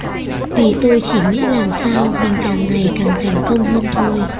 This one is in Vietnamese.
vì tôi chỉ nghĩ làm sao mình càng ngày càng thành công hơn thôi